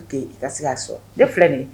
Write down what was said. Ka se k'a sɔrɔ ne filɛ nin